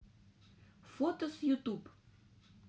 фото в ютуб